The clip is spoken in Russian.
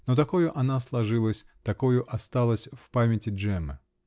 но такою она сложилась, такою осталась в памяти Джеммы.